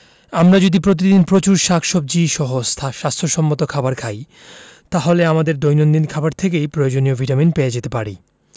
আমরা যদি প্রতিদিন প্রচুর শাকসবজী সহ স্বাস্থ্য সম্মত খাবার খাই তাহলে আমাদের দৈনন্দিন খাবার থেকেই প্রয়োজনীয় ভিটামিন পেয়ে যেতে পারি